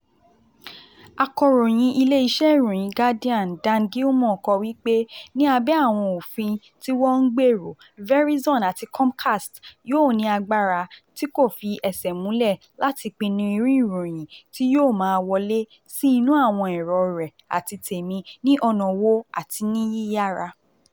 Akọ̀ròyìn ilé iṣẹ́ ìròyìn Guardian Dan Gillmor kọ wí pé ní abẹ́ àwọn òfin tí wọ́n ń gbèrò, "Verizon àti Comcast yóò ní agbára tí kò fi ẹsẹ̀ múlẹ̀ láti pinnu irú ìròyìn tí yóò máa wọlé sí inú àwọn ẹ̀rọ rẹ àti tèmi, ní ọ̀nà wo àti ní yíyára."